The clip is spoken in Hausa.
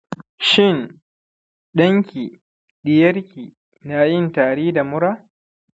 shin ɗanki/ɗiyarki na yin tari da mura